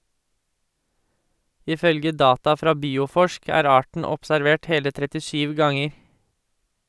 Ifølge data fra Bioforsk, er arten observert hele 37 ganger.